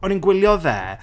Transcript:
O'n i'n gwylio fe.